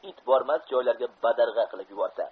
it bormas joylarga badarg'a qilib yuborsa